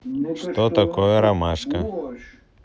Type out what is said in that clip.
что такое ромашка